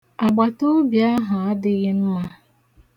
Agbataobi ahụ adịghị mma.